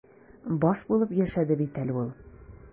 Баш булып яшәде бит әле ул.